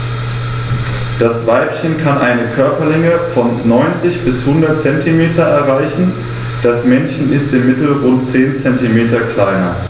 Das Weibchen kann eine Körperlänge von 90-100 cm erreichen; das Männchen ist im Mittel rund 10 cm kleiner.